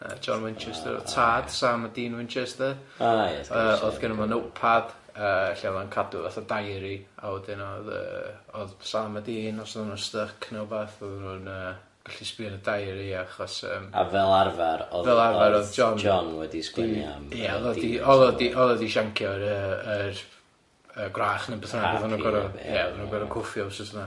John Winchester oedd tad Sam a dyn Winchester... O ia ...oedd gynno fo notepad yy lle oedd o'n cadw fatha diary a wedyn oedd yy oedd Sam a dyn os oedden nhw'n styc neu wbath oedden nhw'n yy gallu sbio yn y diary achos yym ... A fel arfer oedd ....a fel arfer oedd John John wedi sgwennu am ia oedd oedd oedd oedd oedd oedd oedd oedd oedd hi'n siancio'r yy yr yy gwrach neu beth bynnag oedden nhw gorfod ie oedden nhw gorfod cwffio wsos yna.